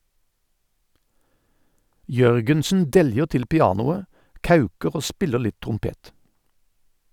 Jørgensen deljer til pianoet, kauker og spiller litt trompet.